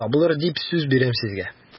Табылыр дип сүз бирәм сезгә...